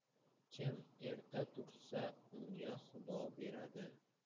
kim erta tursa unga xudo beradi